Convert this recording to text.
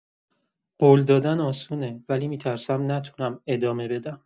قول دادن آسونه، ولی می‌ترسم نتونم ادامه بدم.